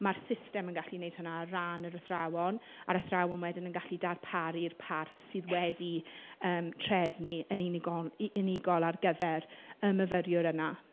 Ma'r system yn gallu wneud hwnna ar ran yr athrawon. A'r athrawon wedyn yn gallu darparu'r parth sydd wedi yym trefnu yn unigo- unigol ar gyfer y myfyriwr yna.